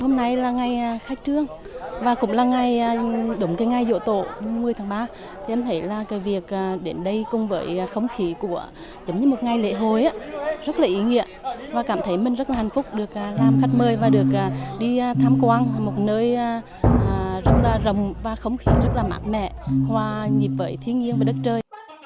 hôm nay là ngày khai trương và cũng là ngày đụng tới ngày giỗ tổ mùng mười tháng ba em thấy là cái việc là đến đây cũng vậy không khí của giống như một ngày lễ hội rất là ý nghĩa và cảm thấy mình rất là hạnh phúc được làm khách mời và được đi tham quan một nơi rất là rộng và không khí rất là mát mẻ hòa nhịp với thiên nhiên đất trời